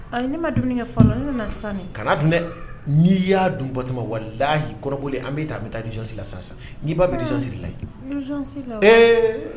A ne ma dumuni kɛ ma sa kana dun dɛ n'i y'a dun bɔ ma wala y'i kɔrɔlen an bɛ taa bɛ taa nisɔnsɔnsi la sisan n'i ba bɛ nisɔnsɔn sirila ɛɛ